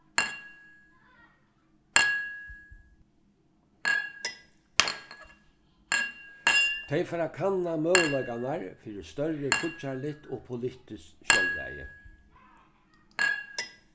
tey fara at kanna møguleikarnar fyri størri fíggjarligt og politiskt sjálvræði